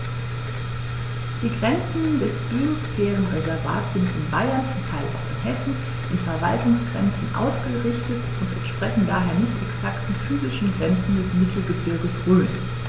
Die Grenzen des Biosphärenreservates sind in Bayern, zum Teil auch in Hessen, an Verwaltungsgrenzen ausgerichtet und entsprechen daher nicht exakten physischen Grenzen des Mittelgebirges Rhön.